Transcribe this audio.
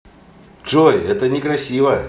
джой это некрасиво